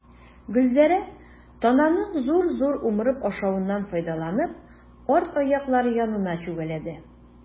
Гөлзәрә, тананың зур-зур умырып ашавыннан файдаланып, арт аяклары янына чүгәләде.